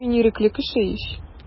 Мин ирекле кеше ич.